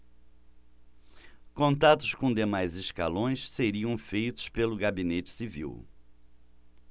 contatos com demais escalões seriam feitos pelo gabinete civil